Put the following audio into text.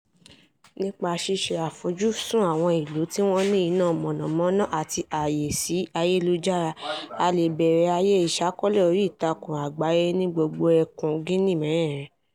Nípa ṣíṣe àfojúsùn àwọn ìlú tí wọ́n ní iná mọ̀nàmọ́ná àti àyè sí ayélujára, a lè bẹ̀rẹ̀ àyè ìṣàkọọ́lẹ̀ oríìtakùn àgbáyé ní gbogbo ẹkùn Guinea mẹ́rẹ̀ẹ̀rin.